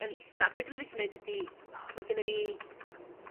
Yn ista be' dwi licio neud ydi mae gennyf fi